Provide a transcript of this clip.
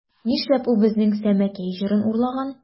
Нишләп ул безнең Сәмәкәй җырын урлаган?